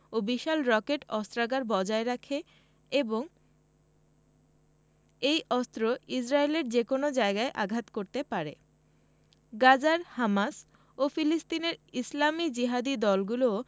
ও বিশাল রকেট অস্ত্রাগার বজায় রাখে এবং এই অস্ত্র ইসরায়েলের যেকোনো জায়গায় আঘাত করতে পারে গাজার হামাস ও ফিলিস্তিনের ইসলামি জিহাদি দলগুলোও